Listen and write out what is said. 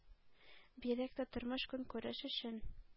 Бигрәк тә тормыш-көнкүреш өчен